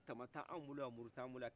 tama tɛ anw bolo yan muru tɛ an bolo yan